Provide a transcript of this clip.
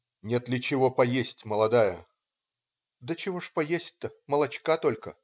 "Нет ли чего поесть, молодая?" - "Да чего же поесть-то? молочка только".